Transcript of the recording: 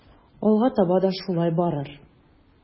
Алга таба да шулай барыр.